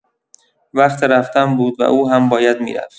وقت رفتن بود و او هم باید می‌رفت.